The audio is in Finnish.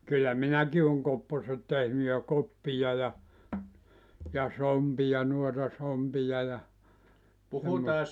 kyllä minäkin olen kopposet tehnyt ja koppia ja ja sompia noita sompia ja semmoista